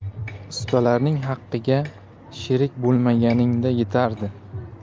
ustalarning haqiga sherik bo'lmaganingda yetardi